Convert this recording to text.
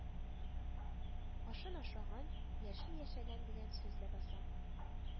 «ашын ашаган, яшен яшәгән» дигән сүз ләбаса